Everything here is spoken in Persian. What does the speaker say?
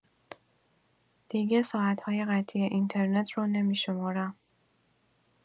دیگه ساعت‌های قطعی اینترنت رو نمی‌شمرم.